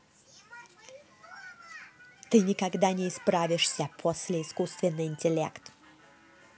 ты никогда не исправишься после искусственный интеллект